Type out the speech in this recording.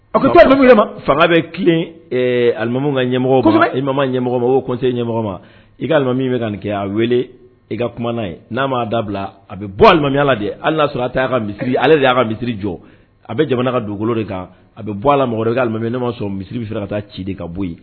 A ko to fanga bɛ tilenlimamu ka ɲɛmɔgɔ i ma ɲɛmɔgɔ kɔnse ɲɛmɔgɔ ma i kalimami bɛ ka nin kɛ a weele i ka kumaumana' n'a m maa dabila a bɛ bɔlimami ala de ale y'a sɔrɔ a ta a ka misi ale de y'a ka misi jɔ a bɛ jamana ka donkolo de kan a bɛ bɔ alimami ne m ma sɔn misisiriri bɛ se ka taa ci de ka bɔ yen